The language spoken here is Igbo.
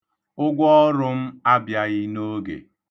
Ụgwọọrụ m abịaghị n'oge.